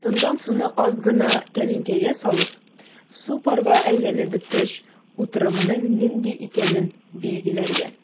Тонган суны аз гына тәлинкәгә салып, су парга әйләнеп беткәч, утырымның нинди икәнен билгеләргә.